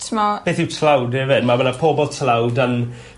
t'mo'... Beth yw tlawd efyd ma' fel y pobol tlawd yn